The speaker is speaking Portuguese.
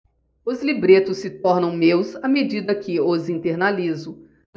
os libretos se tornam meus à medida que os internalizo